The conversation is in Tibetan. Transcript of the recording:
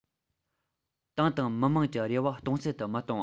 ཏང དང མི དམངས ཀྱི རེ བ སྟོང ཟད དུ མི གཏོང བ